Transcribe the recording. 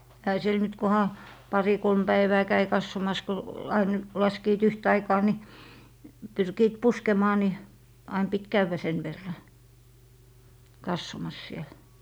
eihän siellä nyt kunhan pari kolme päivää kävi katsomassa kun aina laskivat yhtä aikaa niin pyrkivät puskemaan niin aina piti käydä sen verran katsomassa siellä